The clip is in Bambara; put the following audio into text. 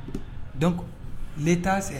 Don le t'a sera